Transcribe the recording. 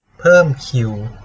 เพิ่มคิว